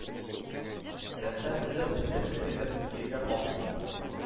Рәттән тезеп, дер селкетеп тиргәп алды, ди: